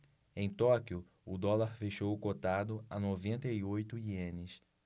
em tóquio o dólar fechou cotado a noventa e oito ienes